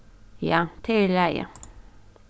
ja tað er í lagi